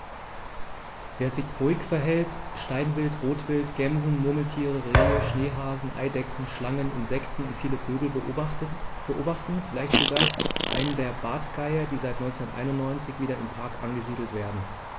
Wer sich ruhig verhält, kann Steinwild, Rotwild, Gämsen, Murmeltiere, Rehe, Schneehasen, Eidechsen, Schlangen, Insekten und viele Vögel beobachten, vielleicht sogar einen der Bartgeier, die seit 1991 wieder im Park angesiedelt werden.